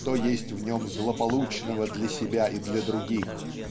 что есть в нем злополучного для себя и для других.